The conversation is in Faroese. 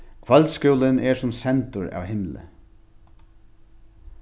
kvøldskúlin er sum sendur av himli